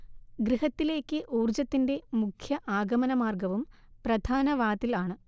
ഗൃഹത്തിലേക്ക് ഊർജ്ജത്തിന്റെ മുഖ്യ ആഗമനമാർഗ്ഗവും പ്രധാന വാതിൽ ആണ്